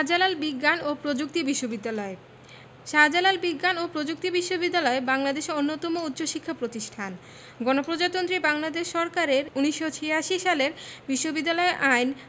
শাহ্জালাল বিজ্ঞান ও প্রযুক্তি বিশ্ববিদ্যালয় শাহ্জালাল বিজ্ঞান ও প্রযুক্তি বিশ্ববিদ্যালয় বাংলাদেশের অন্যতম উচ্চশিক্ষা প্রতিষ্ঠান গণপ্রজাতন্ত্রী বাংলাদেশ সরকারের ১৯৮৬ সালের বিশ্ববিদ্যালয় আইন